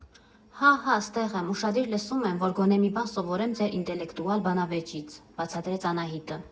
֊ Հա, հա, ստեղ եմ՝ ուշադիր լսում եմ, որ գոնե մի բան սովորեմ ձեր ինտելեկտուալ բանավեճից, ֊ բացատրեց Անահիտը։